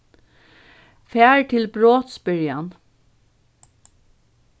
far til brotsbyrjan